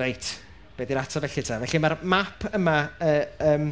Reit. Be 'di'r ateb felly ta? Felly ma'r map yma yy yym